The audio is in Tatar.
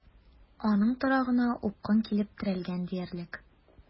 Аның торагына упкын килеп терәлгән диярлек.